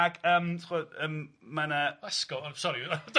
Ag yym tibod yym mae yna Asgwr- sori .